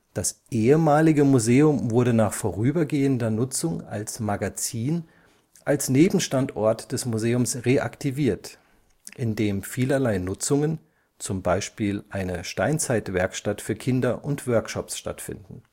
Das ehemalige Museum wurde nach vorübergehender Nutzung als Magazin als Nebenstandort des Museums reaktiviert, in dem vielerlei Nutzungen (zum Beispiel eine Steinzeitwerkstatt für Kinder und Workshops) stattfinden